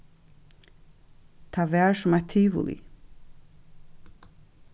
tað var sum eitt tivoli